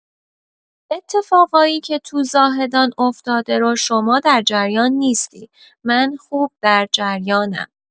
اتفاقایی که تو زاهدان افتاده رو شما در جریان نیستی من خوب در جریانم.